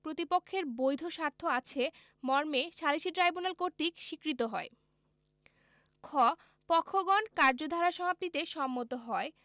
প্রতিপক্ষের বৈধ স্বার্থ আছে মর্মে সালিসী ট্রাইব্যুনাল কর্তৃক স্বীকৃত হয় খ পক্ষগণ কার্যধারা সমাপ্তিতে সম্মত হয়